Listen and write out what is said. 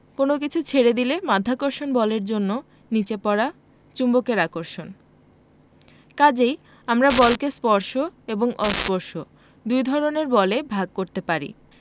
কোনো কিছু ছেড়ে দিলে মাধ্যাকর্ষণ বলের জন্য নিচে পড়া চুম্বকের আকর্ষণ কাজেই আমরা বলকে স্পর্শ এবং অস্পর্শ দুই ধরনের বলে ভাগ করতে পারি